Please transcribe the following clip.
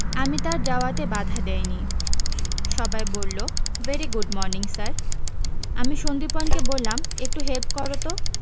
আমি তার যাওয়াতে বাধা দেয়নি সবাই বলল ভেরি গুড মর্নিং স্যার আমি সন্দিপন কে বললাম একটু হেল্প করতো